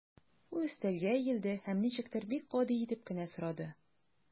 Ул өстәлгә иелде һәм ничектер бик гади итеп кенә сорады.